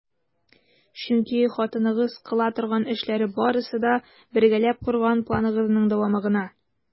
Чөнки хатыныгыз кыла торган эшләр барысы да - бергәләп корган планыгызның дәвамы гына!